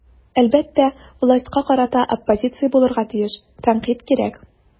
Әлбәттә, властька карата оппозиция булырга тиеш, тәнкыйть кирәк.